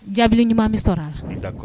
Jaabili ɲuman bɛ sɔrɔ a la?